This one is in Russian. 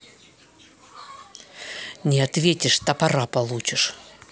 не ответишь топора получишь